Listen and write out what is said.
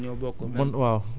ak mboq